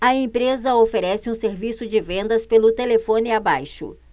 a empresa oferece um serviço de vendas pelo telefone abaixo